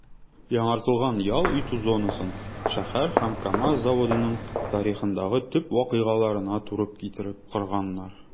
Яңартылган ял итү зонасын шәһәр һәм КАМАЗ заводының тарихындагы төп вакыйгаларына туры китереп корганнар.